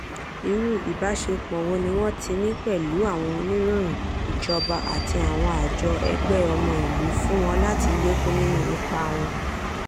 Irú ìbáṣepọ̀ wo ni wọ́n ti ní pẹ̀lú àwọn oníròyìn, ìjọba, àti àwọn àjọ ẹgbẹ́ ọmọ ìlú fún wọn láti lékún nínú ipa wọn?